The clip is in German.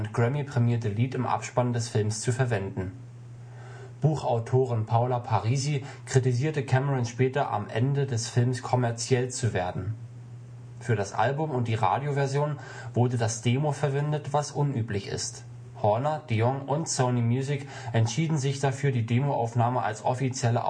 grammyprämierte Lied im Abspann des Films zu verwenden. Buchautorin Paula Parisi kritisierte Cameron später „ am Ende des Films kommerziell zu werden “. Für das Album und die Radioversion wurde das Demo verwendet, was unüblich ist. Horner, Dion und Sony Music entschieden sich dafür, die Demoaufnahme als offizielle